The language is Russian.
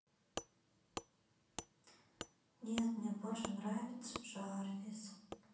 нет мне больше нравится джарвис